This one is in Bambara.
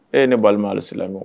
Ee ne' halisi